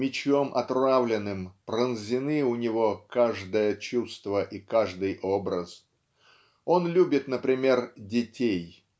мечом отравленным пронзены у него каждое чувство и каждый образ. Он любит например детей